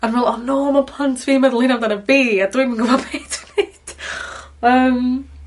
a me'wl oh no ma' plant fi'n meddwl hynna amdano fi a dwi'm yn gwbod be' dwi'n neud. Yym.